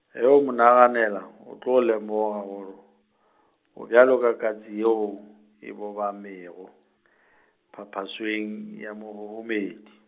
ge o mo naganela o tlo lemoga goro, o bjalo ka katse, yeo, e bobamego , phaphasweng ya mahohomedi.